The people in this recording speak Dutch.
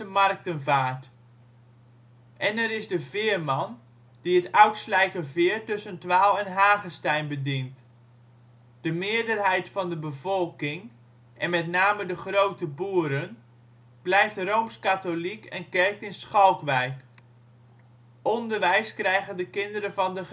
markten vaart. En er is de veerman, die het Oudslijkerveer tussen ' t Waal en Hagestein bedient. De meerderheid van de bevolking - en met name de grote boeren - blijft rooms-katholiek en kerkt in Schalkwijk. Onderwijs krijgen de kinderen van de